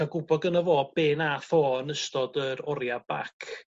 ca'l gwbo gyno fo be nath o yn ystod yr oria' bac.